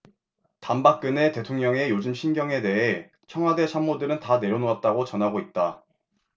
단박근혜 대통령의 요즘 심경에 대해 청와대 참모들은 다 내려놓았다고 전하고 있다